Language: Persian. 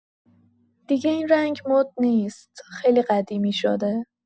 دیگه این رنگ مد نیست خیلی قدیمی شده